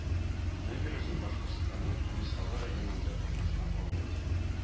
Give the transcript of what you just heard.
Набережный Башкортстанның Кырмыскалы районында урнашкан авыл